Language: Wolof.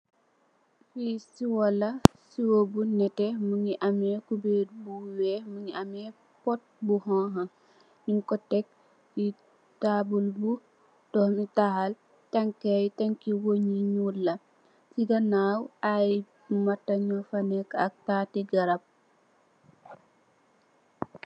Fii siwo la, siwo bu nétté, amee kubeer bu weex, mu ngi amee, Pot bu xoñxa, ñung ko tek si taabul bu, döömi taal, tanka yi, tanki...ñuul la, si ganaaw, ay matta, ñu fa neeka, ak taati garab.